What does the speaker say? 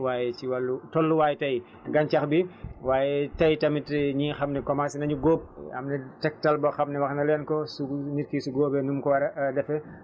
waaye ci wàllu tolluwaay tay gàncax bi waaye tay tamit ñi nga xam ne commencé nañu góob am na tegtal boo xam ne wax na leen ko su nit ki su góobee num ko war a defee